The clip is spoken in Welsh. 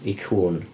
I cŵn.